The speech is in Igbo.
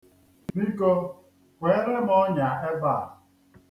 Biko kweere m ọnya ebe a.